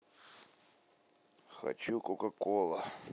хочу кока кола